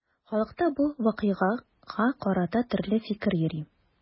Халыкта бу вакыйгага карата төрле фикер йөри.